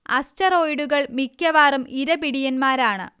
അസ്റ്ററോയ്ഡുകൾ മിക്കവാറും ഇരപിടിയന്മാരാണ്